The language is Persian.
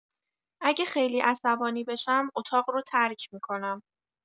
اگه خیلی عصبانی بشم، اتاق رو ترک می‌کنم.